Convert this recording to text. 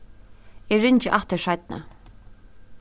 eg ringi aftur seinni